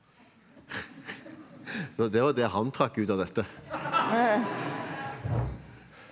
så det var det han trakk ut av dette.